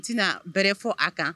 N tɛna bɛrɛ fɔ a kan